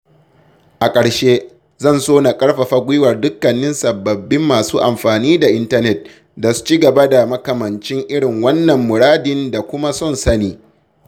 A ƙarshe, zan so na ƙarfafa gwiwar dukkanin sababbin masu amfani da intanet da su ci gaba da makamancin irin wannan muradin da kuma son sani.